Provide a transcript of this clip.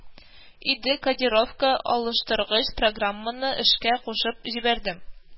Иде - кодировка алыштыргыч программаны эшкә кушып җибәрдем